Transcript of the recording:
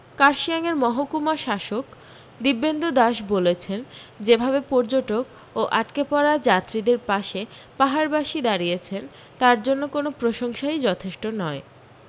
কার্শিয়াঙের মহকূমাশাসক দিব্যেন্দু দাস বলেছেন যে ভাবে পর্যটক ও আটকে পড়া যাত্রীদের পাশে পাহাড়বাসী দাঁড়িয়েছেন তার জন্য কোনও প্রশংসাই যথেষ্ট নয়